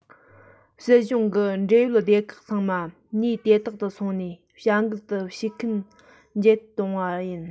སྲིད གཞུང གི འབྲེལ ཡོད སྡེ ཁག ཚང མ གནས དེ དག ཏུ སོང ནས བྱ འགུལ དུ ཞུགས མཁན ལ འགྱེད གཏོང བ ཡིན